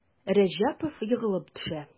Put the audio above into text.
Рәҗәпов егылып төшә.